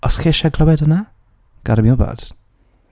Os chi isie clywed hwna gad i fi wbod.